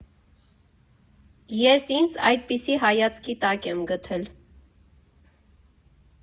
Ես ինձ այդպիսի հայացքի տակ եմ գտել։